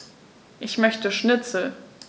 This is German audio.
Ich möchte Schnitzel.